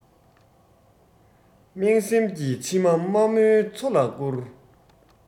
སྨྲེངས སེམས ཀྱི མཆི མ དམའ མོའི མཚོ ལ བསྐུར